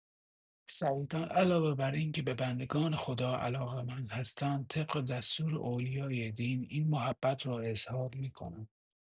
شهیدان علاوه بر اینکه به بندگان خدا علاقه‌مند هستند طبق دستور اولیای دین این محبت را اظهار می‌کنند.